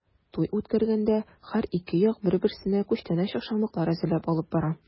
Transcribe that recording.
Туй үткәргәндә һәр ике як бер-берсенә күчтәнәч-ашамлыклар әзерләп алып бара.